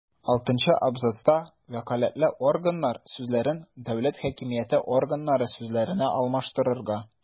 Алтынчы абзацта «вәкаләтле органнар» сүзләрен «дәүләт хакимияте органнары» сүзләренә алмаштырырга;